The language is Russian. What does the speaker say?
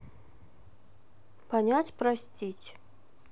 понять простить